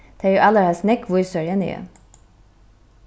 tey eru allarhelst nógv vísari enn eg